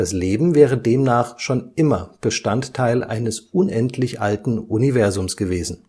Leben wäre demnach schon immer Bestandteil eines unendlich alten Universums gewesen